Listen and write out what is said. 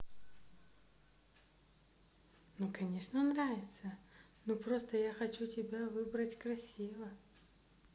ну конечно нравится ну просто я хочу тебя выбрать красиво